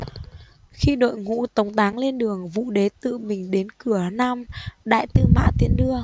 khi đội ngũ tống táng lên đường vũ đế tự mình đến cửa nam đại tư mã tiễn đưa